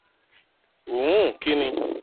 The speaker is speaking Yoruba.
Uh, uh, kínni.